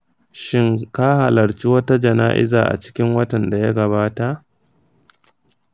shin ka halarci wata jana’iza a cikin watan da ya gabata?